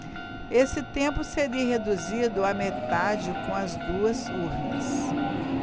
esse tempo seria reduzido à metade com as duas urnas